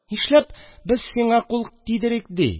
Нишләп без сиңа кул тидерик ди